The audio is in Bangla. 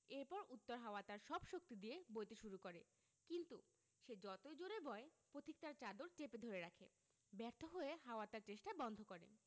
এরপর উত্তর হাওয়া তার সব শক্তি দিয়ে বইতে শুরু করে কিন্তু সে যতই জোড়ে বয় পথিক তার চাদর চেপে ধরে রাখে ব্যর্থ হয়ে হাওয়া তার চেষ্টা বন্ধ করে